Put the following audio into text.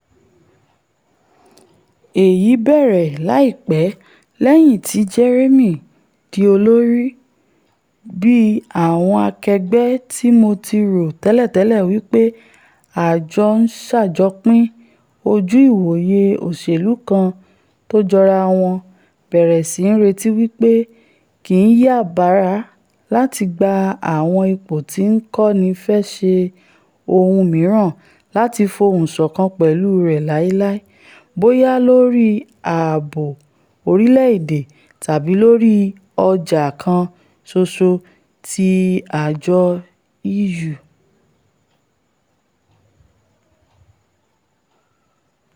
Èyí bẹ̀rẹ̀ láìpẹ́ lẹ́yìn tí Jeremy di olórí, bí àwọn akẹgbẹ́ tí Mo ti rò tẹ́lẹ̀tẹ́lẹ̀ wí pé a jọ ńṣàjọpín ojú-ìwòye òṣèlú kan tójọrawọn bẹ̀rèsí rétí wí pé kí ńyà bàrà láti gba àwọn ipò tí N kòní fẹ́ ṣe ohun mìíràn láti fohùnṣọ̀kan pẹ̀lú rẹ̀ láilái - bóyá lórí ààbò orílẹ̀-èdè tàbí lórí ọjà kan ṣoṣo ti àjọ EU.